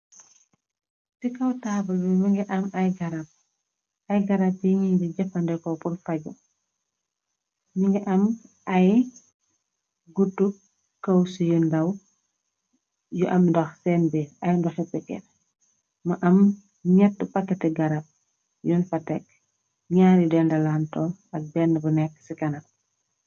Ci kaw taabl bi mi ngi am ay garab, ay garab yi nit yi di jëfandeh ko porfajo. mu ngi am ay guutu këwsu yu ndàw, yu am ndox seen biir. Ay ndohi peker mu am ñett pakketi garab yun fa tekk, ñaar yu dendalanton ak benn bu nekk ci kanam.